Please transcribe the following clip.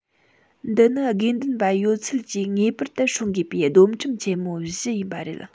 འདི ནི དགེ འདུན པ ཡོད ཚད ཀྱིས ངེས པར དུ སྲུང དགོས པའི སྡོམ ཁྲིམས ཆེན མོ བཞི ཡིན པ རེད